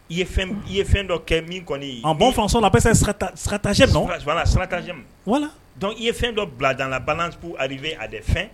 I ye i ye fɛn dɔ kɛ min kɔni en bon français, on appelle ça stratagème non, voilà stratagème, voilà, donc i ye fɛn dɔ bila dans la balance pour arriver à des fins